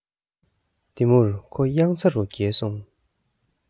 དེ མུར ཁོ ཡང ས རུ འགྱེལ སོང